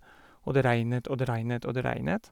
Og det regnet, og det regnet, og det regnet.